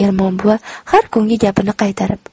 ermon buva har kungi gapini qaytarib